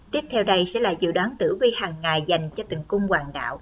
tiếp theo đây sẽ là dự đoán tử vi hàng ngày dành cho từng cung hoàng đạo